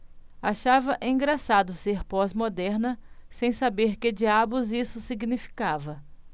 achava engraçado ser pós-moderna sem saber que diabos isso significava